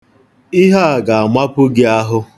Ihe a ga-amapu gị ahụ.